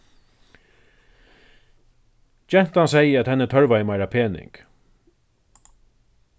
gentan segði at henni tørvaði meira pening